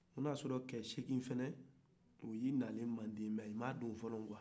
o y'a sɔrɔ cɛ seegin fana olu nana mande nka u ma don fɔlɔ